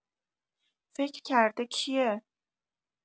فکر کرده کیه؟